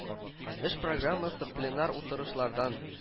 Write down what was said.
Эш программасы пленар утырышлардан